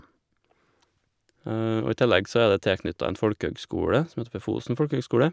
Og i tillegg så er det tilknyttet en folkehøgskole, som heter for Fosen folkehøgskole.